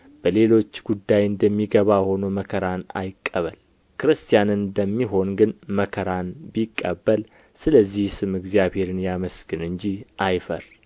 በሌሎች ጒዳይ እንደሚገባ ሆኖ መከራን አይቀበል ክርስቲያን እንደሚሆን ግን መከራን ቢቀበል ስለዚህ ስም እግዚአብሔርን ያመስግን እንጂ አይፈር